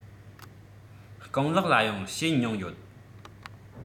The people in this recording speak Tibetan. རྐང ལག ལ ཡང བྱེད མྱོང ཡོད